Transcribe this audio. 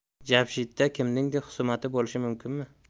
jamshidda kimning xusumati bo'lishi mumkin